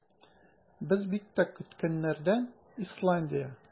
Без бик тә көткәннәрдән - Исландия.